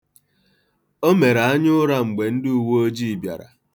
O mere anyaụra mgbe ndị uweojii bịara.